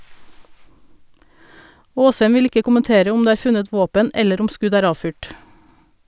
Aasheim vil ikke kommentere om det er funnet våpen eller om skudd er avfyrt.